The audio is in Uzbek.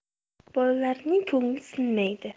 bolalarining ko'ngli sinmaydimi